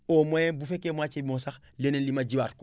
au moins bu fekkee moitié bi moo sax leneen li ma jiwaat ko